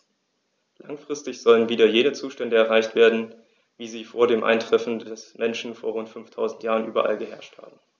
Langfristig sollen wieder jene Zustände erreicht werden, wie sie vor dem Eintreffen des Menschen vor rund 5000 Jahren überall geherrscht haben.